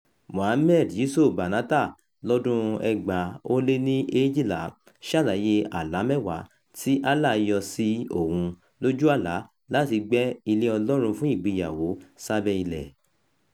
Mohammed Yiso Banatah lọ́dún-un 2012 ṣàlàyé àlá mẹ́wàá tí Allah yọ sí òun lójú àlá láti gbẹ́ ilé Ọlọ́run fún ìgbéyàwó sábẹ́ ilẹ̀.